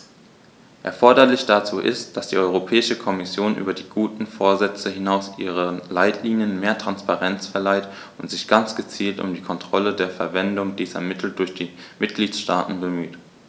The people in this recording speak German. Erforderlich dazu ist, dass die Europäische Kommission über die guten Vorsätze hinaus ihren Leitlinien mehr Transparenz verleiht und sich ganz gezielt um die Kontrolle der Verwendung dieser Mittel durch die Mitgliedstaaten bemüht.